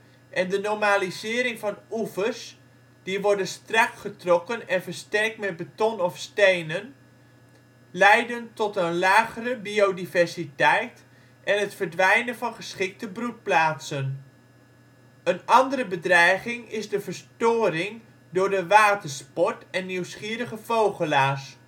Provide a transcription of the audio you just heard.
en de normalisering van oevers, die worden strakgetrokken en versterkt met beton of stenen, leiden tot een lagere biodiversiteit en het verdwijnen van geschikte broedplaatsen. Een andere bedreiging is de verstoring door de watersport en nieuwsgierige vogelaars